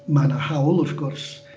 Ma' 'na hawl wrth gwrs...